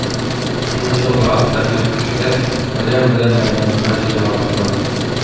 Йончылган, фәкыйрь кешеләр берәм-берәм мәйданга җыела башлады.